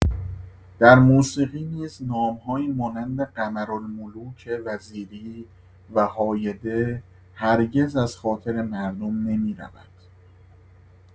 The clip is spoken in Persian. در موسیقی نیز نام‌هایی مانند قمرالملوک وزیری و هایده هرگز از خاطر مردم نمی‌رود.